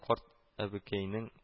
Карт әбекәйнең